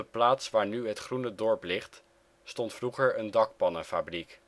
plaats waar nu het groene dorp ligt stond vroeger een dakpannenfabriek